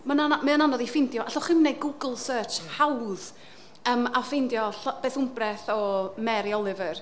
Ma'n an- mae o'n anodd i ffeindio. Allwch chi ddim wneud Google search hawdd yym a ffeindio beth wmbreth o Mary Oliver.